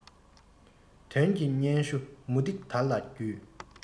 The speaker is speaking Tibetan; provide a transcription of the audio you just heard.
དོན གྱི སྙན ཞུ མུ ཏིག དར ལ བརྒྱུས